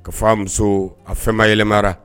Ka fa a muso a fɛnma yɛlɛmaɛlɛmanara